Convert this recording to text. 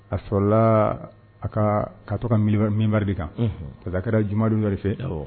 A sɔrɔlala a ka ka to ka minba de kan ka taa kɛra jumadenw dɔ fɛ